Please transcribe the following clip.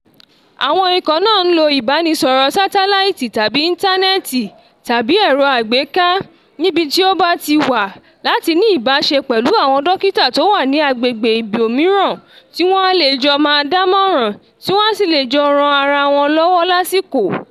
Àwọn ikọ̀ náà ń lo ìbánìsọ̀rọ̀ sátáláìtì tàbí ìńtánẹ́ẹ̀tì/ ẹ̀rọ àgbéká(níbi tií ó bá ti wà) láti ní ìbáṣe pẹ̀lú àwọn dòkítà tó wà ní agbègbè ibòmíràn, tí wọ́n a lè jọ dámọ̀ràn tí wọ́n a sì lè jọ ran ara wọn lọ́wọ́ lásikò.”